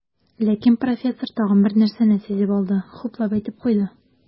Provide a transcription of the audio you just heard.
Ләкин профессор тагын бер нәрсәне сизеп алды, хуплап әйтеп куйды.